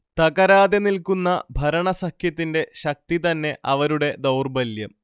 തകരാതെ നിൽക്കുന്ന ഭരണസഖ്യത്തിന്റെ ശക്തി തന്നെ അവരുടെ ദൗർബല്യം